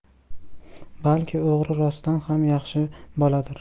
balki o'g'li rostdan ham yaxshi boladir